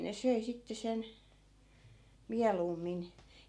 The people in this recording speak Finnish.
ne söi sitten sen mieluummin